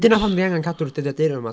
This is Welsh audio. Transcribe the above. Dyna pam dan ni angen cadw'r dyddiaduron 'ma.